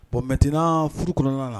Bɔn mɛtenɛna furu kɔnɔna la